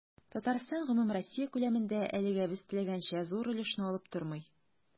Татарстан гомумроссия күләмендә, әлегә без теләгәнчә, зур өлешне алып тормый.